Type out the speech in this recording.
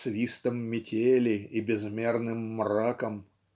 свистом метели и безмерным мраком"